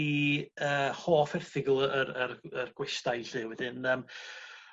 'di yy hoff erthygl yr yr yr gwestai 'lly wedyn yym ...